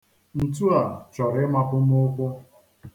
Ntu a chọrọ ịmapu m ụkwụ.